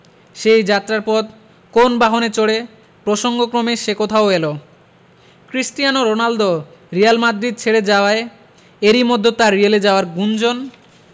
সেই যাওয়ার পথ কোন বাহনে চড়ে প্রসঙ্গক্রমে সে কথাও এল ক্রিস্টিয়ানো রোনালদো রিয়াল মাদ্রিদ ছেড়ে যাওয়ায় এরই মধ্য তাঁর রিয়ালে যাওয়ার গুঞ্জন